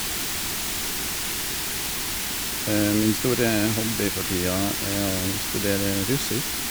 Min store hobby for tida er å studere russisk.